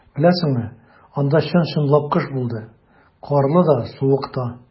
Беләсеңме, анда чын-чынлап кыш булды - карлы да, суык та.